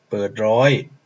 เปิดร้อย